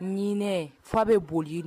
Ɲininɛ fa bɛ boli